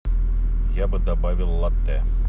я бы добавил латте